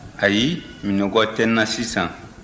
ayi minnɔgɔ tɛ n na sisan